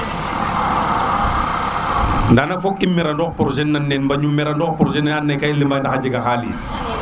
nda fok i mera noox projet nan ne bo i mera noox projet andona ye ga i leman ndax a jega xalis